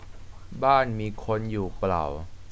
บ้านมีคนอยู่เปล่า